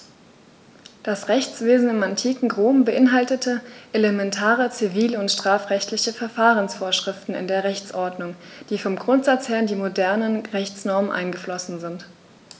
Das Rechtswesen im antiken Rom beinhaltete elementare zivil- und strafrechtliche Verfahrensvorschriften in der Rechtsordnung, die vom Grundsatz her in die modernen Rechtsnormen eingeflossen sind.